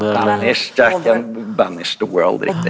riktig.